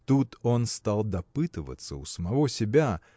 Тут он стал допытываться у самого себя